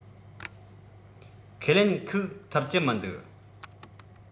ཁས ལེན ཁུག ཐུབ ཀྱི མི འདུག